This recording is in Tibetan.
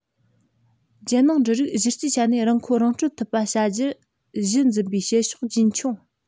རྒྱལ ནང འབྲུ རིགས གཞི རྩའི ཆ ནས རང མཁོ རང སྤྲོད ཐུབ པ བྱ རྒྱུ གཞིར འཛིན པའི བྱེད ཕྱོགས རྒྱུན འཁྱོངས